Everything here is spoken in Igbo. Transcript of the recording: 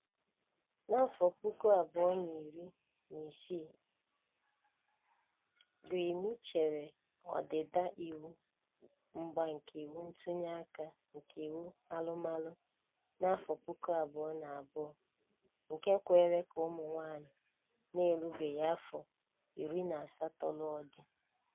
Na 2016, Gyumi chere ọdịdị iwu mgba nke Iwu Ntụnye nke Iwu Alụmalụ, 2002 (LMA) nke kwere ka ụmụ nwaanyị na-erubeghị afọ 18 lụọ di.